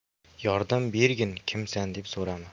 yordam bergin kimsan deb so'rama